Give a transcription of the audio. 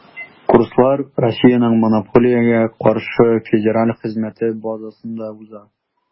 Курслар Россиянең Монополиягә каршы федераль хезмәте базасында уза.